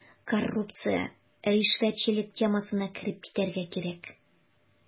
Коррупция, ришвәтчелек темасына кереп китәргә кирәк.